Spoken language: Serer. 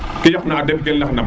ke yok na demb kel ndax nam